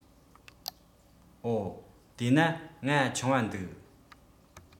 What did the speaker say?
འོ དེས ན ང ཆུང བ འདུག